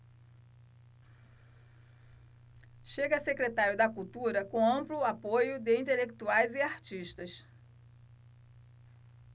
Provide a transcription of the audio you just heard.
chega a secretário da cultura com amplo apoio de intelectuais e artistas